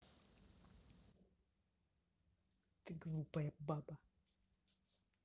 ты глупая баба